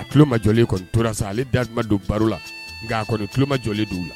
A tuloloma jɔlen kɔni tora sa ale datuma don baro la nka a kɔni tuloloma jɔ don u la